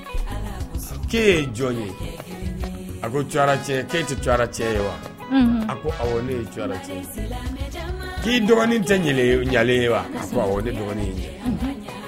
' jɔn ye tɛ cɛ ye wa ne dɔgɔnin tɛ ye wa ne dɔgɔnin